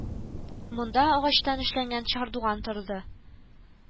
Монда агачтан эшләнгән чардуган торды